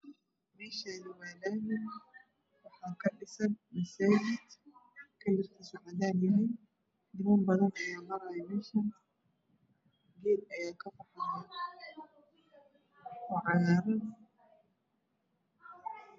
Meeshan waa laami waxaa ka dhisan masajid kalarkiisu cadaanyahay niman badan ayaa maraayo meshan geed ayaa kabaxayo oo cagaaran